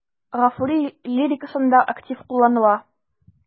Гафури лирикасында актив кулланыла.